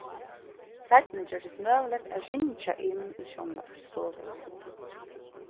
seinni gjørdist møguligt at ringja inn í sjónvarpsstovuna